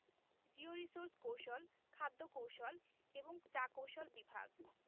georesources কৌশল খাদ্য কৌশল এবং চা কৌশল বিভাগ